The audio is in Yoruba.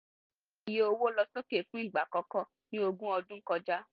Iye owó lọ sókè fún ìgbà àkọ́kọ́ ní ògún ọdún kọjá .